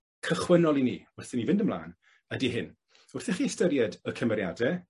cychwynnol i ni wrth i ni fynd ymlan ydi hyn. Wrth i chi styried y cymeriade,